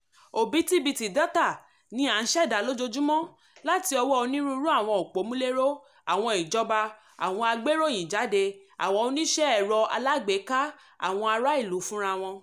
Òbítíbitì dátà ni à ń ṣẹ̀dá lójoojúmọ́, láti ọwọ́ onírúurú àwọn òpómúléró: àwọn ìjọba, àwọn agbéròyìnjáde, àwọn oníṣẹ́ ẹ̀rọ alágbèéká, àwọn ará-ìlú fúnra wọn.